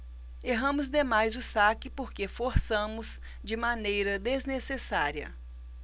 erramos demais o saque porque forçamos de maneira desnecessária